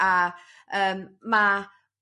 A yym ma'